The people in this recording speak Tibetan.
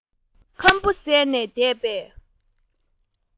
ཁམ བུ ཟས ནས བསྡད པའི